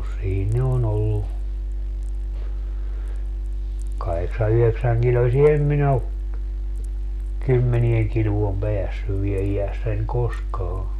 siinä ne on ollut kahdeksan yhdeksänkiloisia en minä ole kymmeneen kiloon päässyt vielä iässäni koskaan